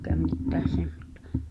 eikä mitään semmoista